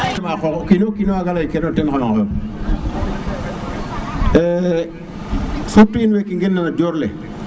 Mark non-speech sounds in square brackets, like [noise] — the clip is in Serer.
tima qol xo o kino kina waga ley teen ke ref na xam xamum [hesitation] surtout in weeke ngen na no joor le